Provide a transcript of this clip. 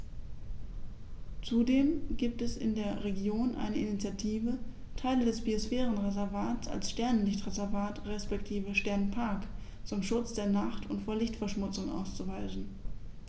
Zudem gibt es in der Region eine Initiative, Teile des Biosphärenreservats als Sternenlicht-Reservat respektive Sternenpark zum Schutz der Nacht und vor Lichtverschmutzung auszuweisen.